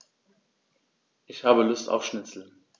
Ich habe Lust auf Schnitzel.